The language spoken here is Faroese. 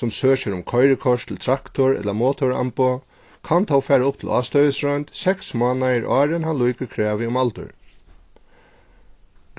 sum søkir um koyrikort til traktor ella motoramboð kann tó fara upp til ástøðisroynd seks mánaðir áðrenn hann lýkur kravið um aldur